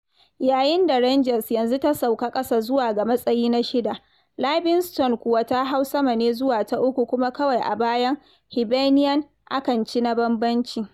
Yayin da Rangers yanzu ta sauka ƙasa zuwa ga matsayi na shida, Livingston kuwa ta hau sama ne zuwa ta uku kuma kawai a bayan Hibernian a kan ci na bambanci.